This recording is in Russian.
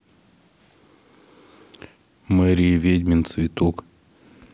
мэри и ведьмин цветок